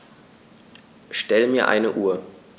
Stell mir eine Uhr.